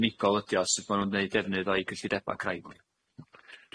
unigol ydi o sut ma' nw'n neud defnydd o'u gyllideba' craidd.